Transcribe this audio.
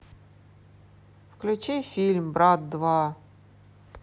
включи фильм брат два